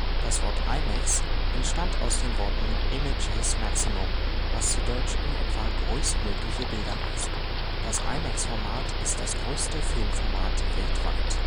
Das Wort " IMAX " entstand aus den Worten " Images maximum ", was zu Deutsch in etwa " größtmögliche Bilder " heißt. Das IMAX-Format ist das größte Filmformat weltweit